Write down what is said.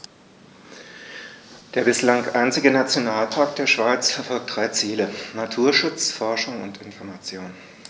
Der bislang einzige Nationalpark der Schweiz verfolgt drei Ziele: Naturschutz, Forschung und Information.